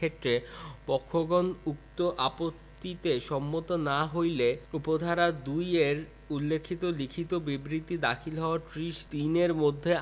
ক্ষেত্রে পক্ষগণ উক্ত আপত্তিতে সম্মত না হইলে উপ ধারা ২ এ উল্লেখিত লিখিত বিবৃতি দাখিল হওয়ার ত্রিশ দনের মধ্যে